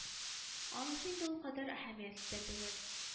Анысы инде ул кадәр әһәмиятле дә түгел